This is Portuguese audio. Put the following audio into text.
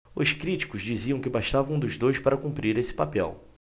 os críticos diziam que bastava um dos dois para cumprir esse papel